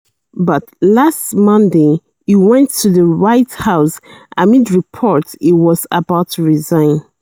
But last Monday he went to the White House, amid reports he was about to resign.